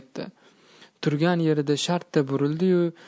turgan yerida shartta burildi yu